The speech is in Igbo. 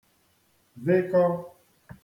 vịkọ